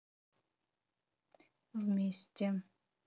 вместе